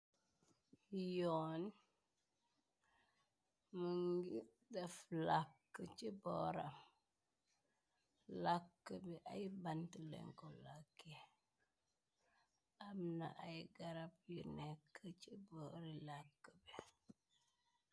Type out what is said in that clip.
Yoon mu ngi daf làkk ci booram, làkk bi ay banti len ko làkk yi , am na ay garab yu nekk ci boori làkk bi.